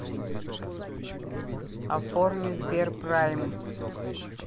оформи сберпрайм